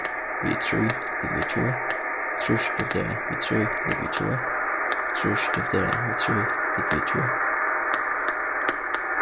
við trý ligvið tjúgu trýss dividerað við trý ligvið tjúgu trýss dividerað við trý ligvið tjúgu